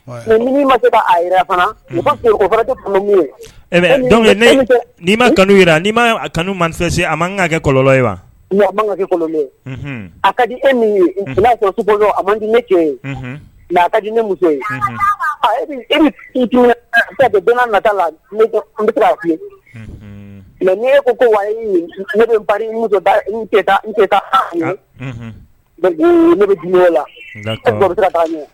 Ma kanu a kanu masase a man kɛ kɔlɔnlɔ ye wa a kɛ kɔ a ka di e min a man di ne nka a ka di muso mɛ ko ne nka ne bɛ la